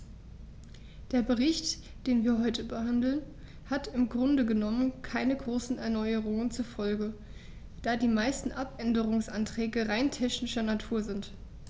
Der Bericht, den wir heute behandeln, hat im Grunde genommen keine großen Erneuerungen zur Folge, da die meisten Abänderungsanträge rein technischer Natur sind.